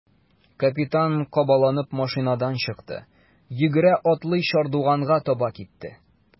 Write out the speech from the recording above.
Капитан кабаланып машинадан чыкты, йөгерә-атлый чардуганга таба китте.